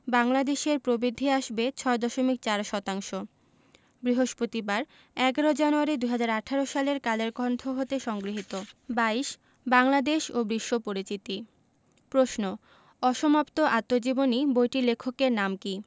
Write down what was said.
বাংলাদেশের প্রবৃদ্ধি আসবে ৬.৪ শতাংশ বৃহস্পতিবার ১১ জানুয়ারি ২০১৮ কালের কন্ঠ হতে সংগৃহীত ২২ বাংলাদেশ ও বিশ্ব পরিচিতি প্রশ্ন অসমাপ্ত আত্মজীবনী বইটির লেখকের নাম কী